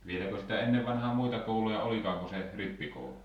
vieläkö sitä ennen vanhaan muita kouluja olikaan kuin se rippikoulu